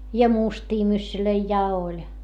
ja mustia myssyjä ja oli